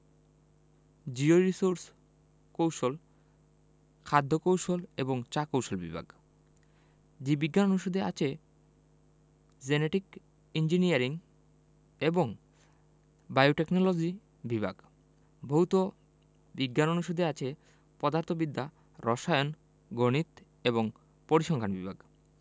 জিওরির্সোস কৌশল খাদ্য কৌশল এবং চা কৌশল বিভাগ জীব বিজ্ঞান অনুষদে আছে জেনেটিক ইঞ্জিনিয়ারিং এবং বায়োটেকনলজি বিভাগ ভৌত বিজ্ঞান অনুষদে আছে পদার্থবিদ্যা রসায়ন গণিত এবং পরিসংখ্যান বিভাগ